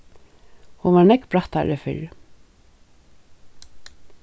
hon var nógv brattari fyrr